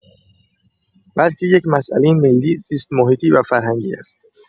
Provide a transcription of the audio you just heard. بلکه یک مسئلۀ ملی، زیست‌محیطی و فرهنگی است.